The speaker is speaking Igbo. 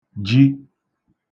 ji